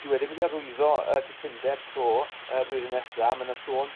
dyw e dim wedi arwyddo yy cytundeb 'to y flwyddyn nesa ma' 'na sôn